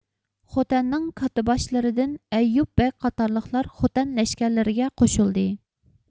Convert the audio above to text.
خوتەننىڭ كاتتىباشلىرىدىن ئەييۇب بەگ قاتارلىقلار خوتەن لەشكىرىگە قوشۇلدى